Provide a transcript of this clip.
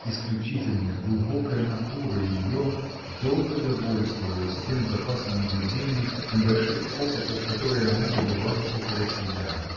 Исключительная, глубокая натура ее долго довольствовалась тем запасом наблюдений, небольших опытов, которые она добывала около себя.